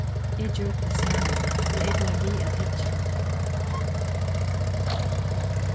eg gjørdi tað sama men eg bleiv við at hyggja